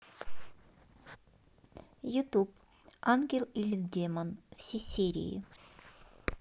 ютуб ангел или демон все серии